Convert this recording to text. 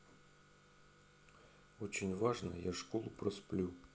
очень важно я школу просплю